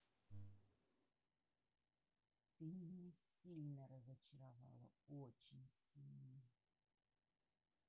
ты меня сильно разочаровала очень сильно